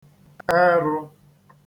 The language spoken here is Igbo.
ẹrū